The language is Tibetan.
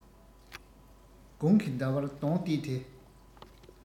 དགུང གི ཟླ བར གདོང གཏད དེ